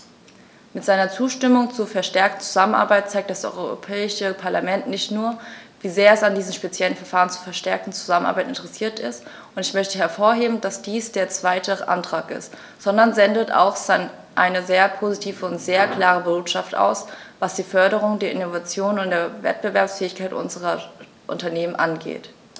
Mit seiner Zustimmung zur verstärkten Zusammenarbeit zeigt das Europäische Parlament nicht nur, wie sehr es an diesem speziellen Verfahren zur verstärkten Zusammenarbeit interessiert ist - und ich möchte hervorheben, dass dies der zweite Antrag ist -, sondern sendet auch eine sehr positive und sehr klare Botschaft aus, was die Förderung der Innovation und der Wettbewerbsfähigkeit unserer Unternehmen angeht.